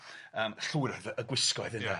yym llwyd y gwisgoedd ynde... Ia